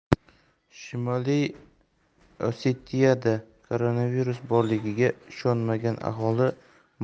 shimoliy osetiyada koronavirus borligiga ishonmagan